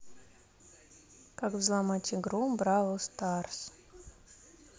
как взломать игру бравл старс